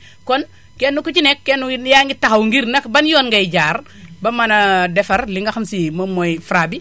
kon kenn ku ci ne kenn yaa ngi taxaw ngir ndax ban yoon ngay jaar ba mën a defar li nga xam si moom mooy Fra bi